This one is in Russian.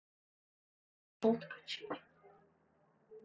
да пошел ткачей